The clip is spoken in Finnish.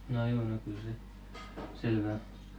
no juu no kyllä se selvä on